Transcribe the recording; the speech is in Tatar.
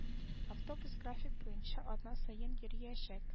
Автобус график буенча атна саен йөриячәк